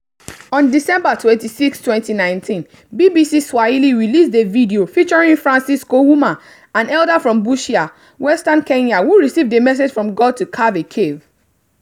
On December 26, 2019, BBC Swahili released a video featuring Francisco Ouma, an elder from Busia, western Kenya, who received a message from God to carve a cave.